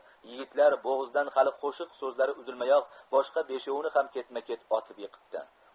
yigitlar bo'g'zidan hali qo'shiq so'zlari uzilmayoq boshqa beshovini ham ketma ket otib yiqitdi